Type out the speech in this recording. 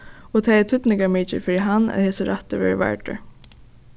og tað er týdningarmikið fyri hann at hesin rættur verður vardur